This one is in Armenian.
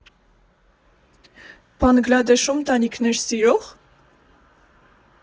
Բանգլադեշում տանիքներ սիրո՞ղ։